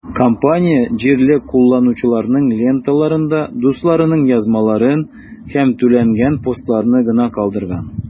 Компания җирле кулланучыларның ленталарында дусларының язмаларын һәм түләнгән постларны гына калдырган.